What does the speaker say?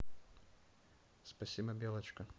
спасибо белочка